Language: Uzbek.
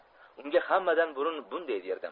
unga hammadan burun bunday derdim